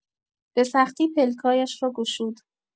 به‌سختی پلک‌هایش را گشود.